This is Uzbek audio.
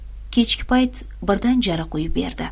kechki payt birdan jala quyib berdi